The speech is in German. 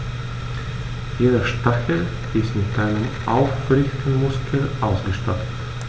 Jeder Stachel ist mit einem Aufrichtemuskel ausgestattet.